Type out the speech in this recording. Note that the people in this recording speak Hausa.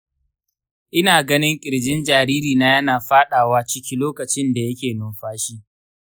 ina ganin ƙirjin jaririna yana faɗawa ciki lokacin da yake numfashi.